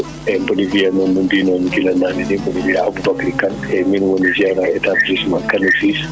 eeyi mboɗa wiya mon no mbiinoomi gila naane de mbiɗo wiyee Aboubacry Kane eeyi miin woni gérant établissement Kane et fils